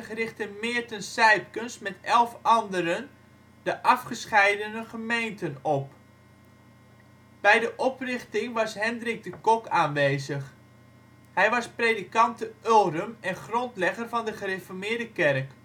richtte Meerten Sijpkens met elf anderen de ‘Afgescheiden gemeente’ op. Bij de oprichting was Hendrik de Cock aanwezig. Hij was predikant te Ulrum en grondlegger van de gereformeerde kerk